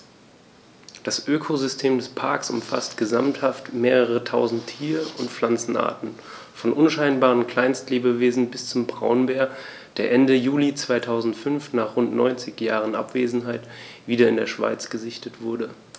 Das Ökosystem des Parks umfasst gesamthaft mehrere tausend Tier- und Pflanzenarten, von unscheinbaren Kleinstlebewesen bis zum Braunbär, der Ende Juli 2005, nach rund 90 Jahren Abwesenheit, wieder in der Schweiz gesichtet wurde.